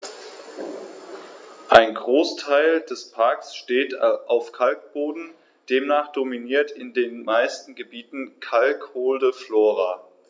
Ein Großteil des Parks steht auf Kalkboden, demnach dominiert in den meisten Gebieten kalkholde Flora.